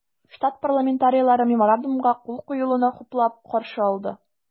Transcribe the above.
Штат парламентарийлары Меморандумга кул куелуны хуплап каршы алды.